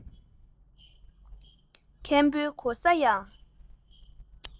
མཁན པོའི གོ ས ཡང